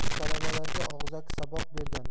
u talabalarga og'zaki saboq bergan